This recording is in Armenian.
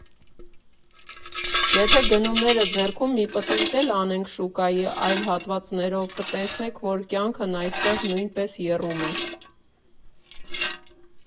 Եթե գնումները ձեռքում մի պտույտ էլ անեք շուկայի այլ հատվածներով, կտեսնեք, որ կյանքն այստեղ նույնպես եռում է.